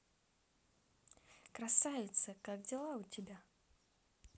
красавица как дела у тебя